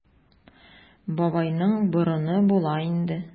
Бабайның борыны була инде.